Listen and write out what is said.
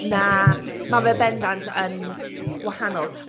Na, mae fe bendant yn wahanol.